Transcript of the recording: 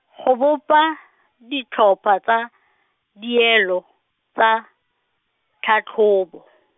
go bopa, ditlhopha tsa, dielo, tsa, tlhatlhobo .